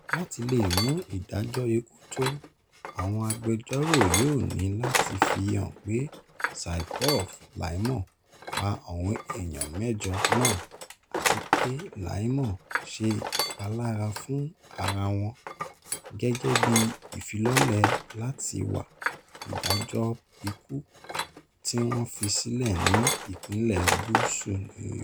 Láti lè mú ìdájọ́ ikú tọ́, àwọn agbẹjọ́rò yóò ní láti fi hàn pé Saipov "láìmọ́" pa àwọn èèyàn mẹ́jọ náà àti pé "láìmọ́" ṣe ìpalára fún ara wọn, gẹ́gẹ́ bí ìfilọ́lẹ̀ láti wá ìdájọ́ ikú, tí wọ́n fi sílẹ̀ ní Ìpínlẹ̀ Gúúsù New York.